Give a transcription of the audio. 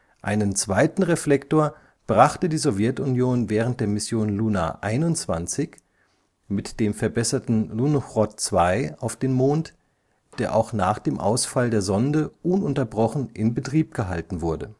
Einen zweiten Reflektor brachte die Sowjetunion während der Mission Luna 21 mit dem verbesserten Lunochod 2 auf den Mond, der auch nach dem Ausfall der Sonde ununterbrochen in Betrieb gehalten wurde